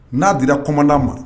N'a dira koman ma